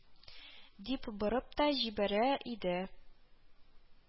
Дип борып та җибәрә иде